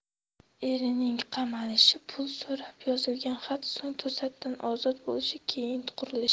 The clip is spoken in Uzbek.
erining qamalishi pul so'rab yozilgan xat so'ng to'satdan ozod bo'lishi keyin qurilish